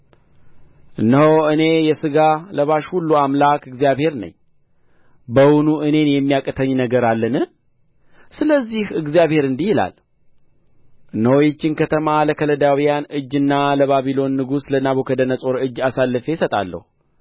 እነሆ እኔ የሥጋ ለባሽ ሁሉ አምላክ እግዚአብሔር ነኝ በውኑ እኔን የሚያቅተኝ ነገር አለን ስለዚህ እግዚአብሔር እንዲህ ይላል እነሆ ይህችን ከተማ ለከለዳውያን እጅና ለባቢሎን ንጉሥ ለናቡከደነፆር እጅ አሳልፌ እሰጣለሁ